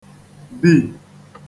bì